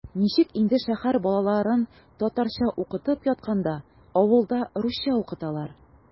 Ничек инде шәһәр балаларын татарча укытып ятканда авылда русча укыталар?!